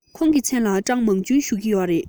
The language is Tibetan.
ཁོང གི མཚན ལ ཀྲང མིང ཅུན ཞུ གི ཡོད རེད